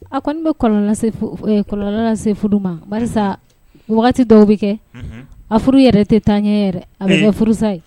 A kɔni be kɔlɔlɔ se fu ee kɔlɔlɔ lase furu ma barisa wagati dɔw bɛ kɛ unhun a furu yɛrɛ tɛ taa ɲɛ yɛrɛ ee a be kɛ furusa ye